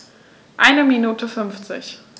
Eine Minute 50